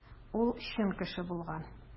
Ул чын кеше булган.